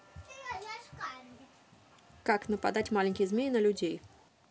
как нападать маленькие змеи на людей